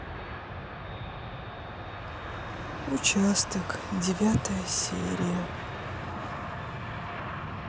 участок девятая серия